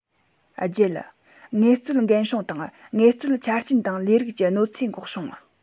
བརྒྱད ངལ རྩོལ འགན སྲུང དང ངལ རྩོལ ཆ རྐྱེན དང ལས རིགས ཀྱི གནོད འཚེ འགོག སྲུང